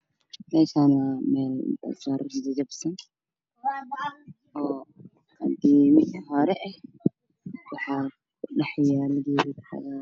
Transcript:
Meeshaan waa guryo qadiimi ah waxana kadhaxbaxayo geedo